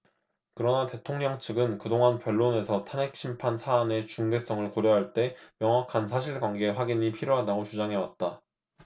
그러나 대통령 측은 그동안 변론에서 탄핵심판 사안의 중대성을 고려할 때 명확한 사실관계 확인이 필요하다고 주장해왔다